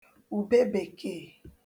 ùbebèkèe